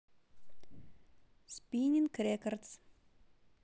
спининг рекордс